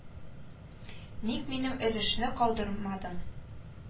Ник минем өлешне калдырмадың